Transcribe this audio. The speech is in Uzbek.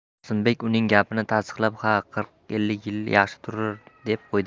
qosimbek uning gapini tasdiqlab ha qirq ellik yil yaxshi turur deb qo'ydi